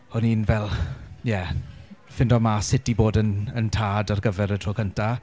O'n i'n fel ie ffindo mas sut i bod yn yn tad ar gyfer y tro cynta.